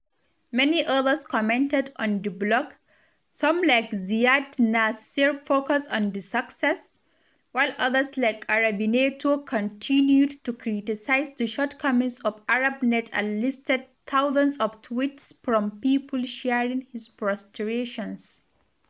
Many others commented on the blog: some like Ziad Nasser focused on the success, while others like Arabinator continued to criticize the shortcomings of Arabnet and listed dozens of tweets[ar] from people sharing his frustrations.